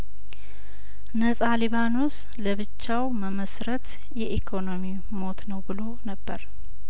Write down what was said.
ነጻ ሊባኖስ ለብቻው መመስረት የኢኮኖሚ ሞት ነው ብሎ ነበር